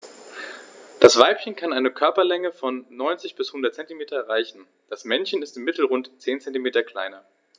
Das Weibchen kann eine Körperlänge von 90-100 cm erreichen; das Männchen ist im Mittel rund 10 cm kleiner.